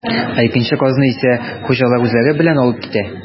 Ә икенче казны исә хуҗалар үзләре белән алып китә.